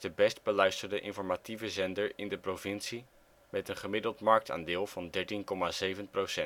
best beluisterde informatieve zender in de provincie met een gemiddeld marktaandeel van 13,7 %